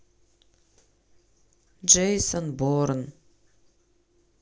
джейсон борн